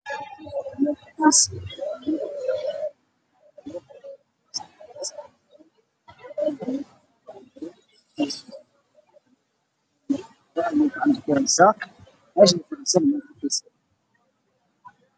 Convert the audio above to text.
Waxaa imuqdo naag oo kobiyuutar hor yaalo